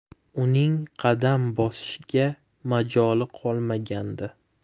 uning qadam bosishga majoli qolmagandi